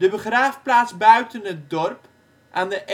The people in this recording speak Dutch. begraafplaats buiten het dorp aan de